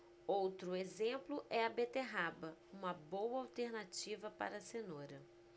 outro exemplo é a beterraba uma boa alternativa para a cenoura